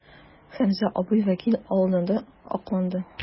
Хәмзә абый вәкил алдында акланды.